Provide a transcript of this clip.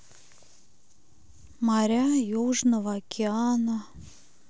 моря южного океана